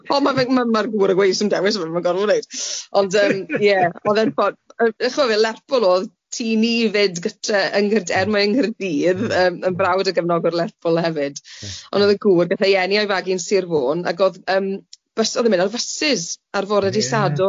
Ond ma' fe'n ma' ma'r gŵr yn gweud sdim dewis 'da fe ma'n gorfod neud ond yym ie o'dd e'n bod yy chi'bod fel Lerpwl o'dd tîm ni fyd gytre yng nghyr- er mae'n Nghaerdydd yym yn brawd o gefnogwr Lerpwl hefyd ond o'dd y gŵr ga'th e'i eni a'i fagu yn Sir Fôn ac o'dd yym bys- o'dd e'n mynd ar fysys ar fore dydd Sadwrn... Ie ie...